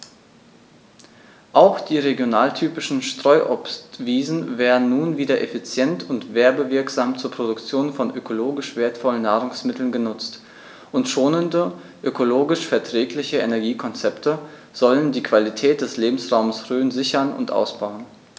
Auch die regionaltypischen Streuobstwiesen werden nun wieder effizient und werbewirksam zur Produktion von ökologisch wertvollen Nahrungsmitteln genutzt, und schonende, ökologisch verträgliche Energiekonzepte sollen die Qualität des Lebensraumes Rhön sichern und ausbauen.